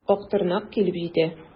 Актырнак килеп җитә.